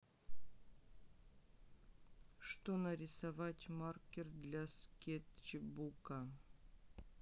что нарисовать маркер для скетчбука